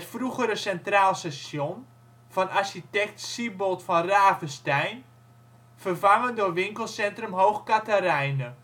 vroegere Centraal Station van architect Sybold van Ravesteyn, vervangen door winkelcentrum Hoog Catharijne